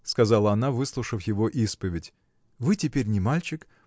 – сказала она, выслушав его исповедь, – вы теперь не мальчик